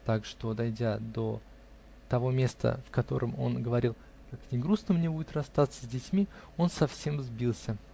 так что, дойдя до того места, в котором он говорил: "как ни грустно мне будет расстаться с детьми", он совсем сбился